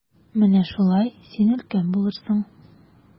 Менә шулай, син өлкән булырсың.